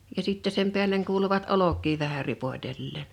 ja sitten sen päälle kuuluivat olkia vähän ripotelleen